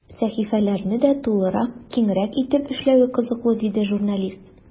Сәхифәләрне дә тулырак, киңрәк итеп эшләве кызыклы, диде журналист.